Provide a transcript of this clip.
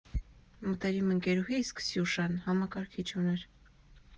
Մտերիմ ընկերուհիս՝ Քսյուշան, համակարգիչ ուներ.